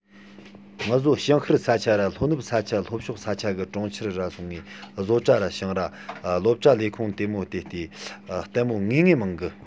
ངུ བཟོ བྱང ཤར ས ཆ ར ལྷོ ནུབ ས ཆ ལྷོ ཕྱོགས ས ཆ གི གྲོང ཁྱེར ར སོང ངས བཟོ གྲྭ ར ཞིང ར སློབ གྲྭ ལས ཁུངས དེ མོ དེ བལྟས ལྟད མོ ངེས ངེས མང གི